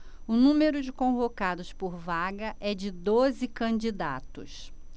o número de convocados por vaga é de doze candidatos